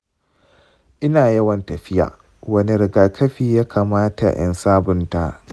ina yawan tafiya; wane rigakafi ya kamata in sabunta?